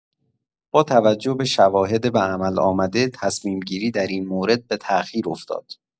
با توجه به شواهد به‌عمل‌آمده، تصمیم‌گیری در این مورد به تأخیر افتاد.